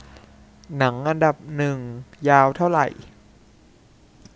หนังอันดับหนึ่งยาวเท่าไหร่